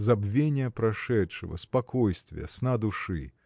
забвения прошедшего, спокойствия, сна души.